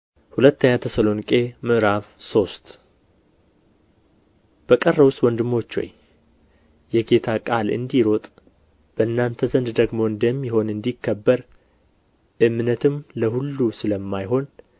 ሁለኛ ተሰሎንቄ ምዕራፍ ሶስት በቀረውስ ወንድሞች ሆይ የጌታ ቃል እንዲሮጥ በእናንተም ዘንድ ደግሞ እንደሚሆን እንዲከበር እምነትም ለሁሉ ስለማይሆን